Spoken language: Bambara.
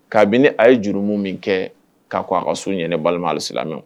Kabini a ye jurumu min kɛ k'a kɔn a ka sun ɲɛ, ne balima alisilamɛ.